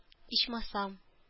Ичмасам